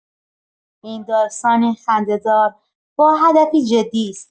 این داستانی خنده‌دار با هدفی جدی است.